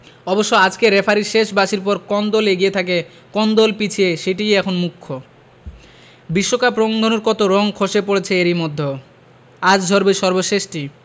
অবশ্য আজকের রেফারির শেষ বাঁশির পর কোন দল এগিয়ে থাকে কোন দল পিছিয়ে সেটিই এখন মুখ্য বিশ্বকাপ রংধনুর কত রং খসে পড়েছে এরই মধ্য আজ ঝরবে সর্বশেষটি